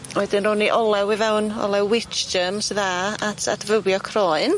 Wedyn rown i olew i fewn olew wheatgerm sy dda at atfywio croen.